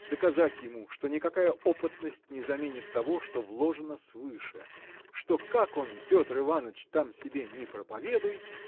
доказать ему, что никакая опытность не заменит того, что вложено свыше что как он Петр Иваныч там себе ни проповедуй